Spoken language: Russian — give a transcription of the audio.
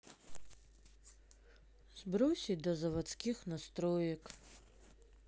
сбросить до заводских настроек